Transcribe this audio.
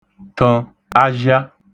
ṫə̣̀ azhịa